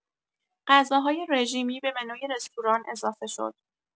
غذاهای رژیمی به منوی رستوران اضافه شد.